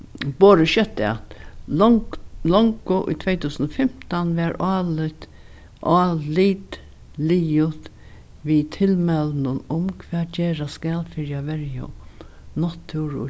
borið skjótt at longu í tvey túsund og fimtan var álit liðugt við tilmælinum um hvat gerast skal fyri at verja um náttúru og